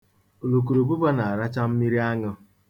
Ulukurubụba na-aracha mmiriaṅụ.